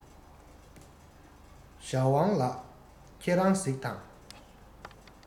ཞའོ ཝང ལགས ཁྱེད རང གཟིགས དང